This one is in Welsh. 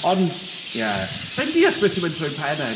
Ond, ie, sa i'n deall beth sy'n mynd trwy pen e.